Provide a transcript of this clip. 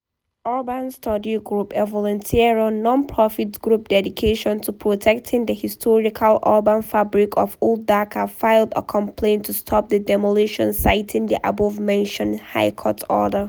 Urban Study Group, a volunteer-run nonprofit group dedicated to protecting the historical urban fabric of Old Dhaka, filed a complaint to stop the demolition, citing the above mentioned High Court order.